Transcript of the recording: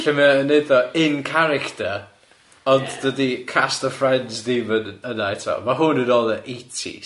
Lle mae o'n neud o in character ond dydi cast of Friends ddim yn- yna eto. Ma' hwn yn ôl 'n y eighties.